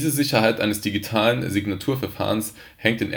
Sicherheit eines digitalen Signaturverfahrens hängt